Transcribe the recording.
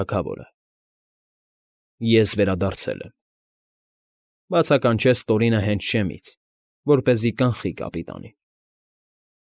Թագավորը… Ես վերադարձել եմ,֊ բացականչեց Տորինը հենց շեմից, որպեսզի կանխի կապիտանին։